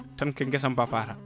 tan koye guesam ba paata